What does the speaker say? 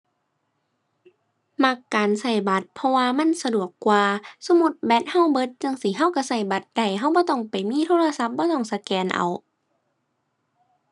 มักการใช้บัตร เพราะว่ามันสะดวกกว่า สมมุติแบตใช้เบิดจั่งซี้ใช้ใช้ใช้บัตรได้ ใช้บ่ต้องไปมีโทรศัพท์ บ่ต้องสแกนเอา